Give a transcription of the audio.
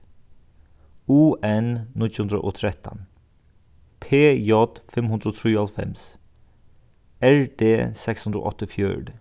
u n níggju hundrað og trettan p j fimm hundrað og trýoghálvfems r d seks hundrað og átta og fjøruti